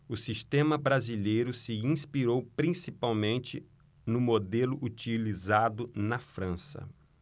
o sistema brasileiro se inspirou principalmente no modelo utilizado na frança